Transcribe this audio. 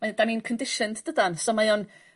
mae 'dan ni'n conditioned dydan so mae o'n